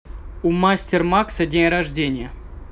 у master макса день рождения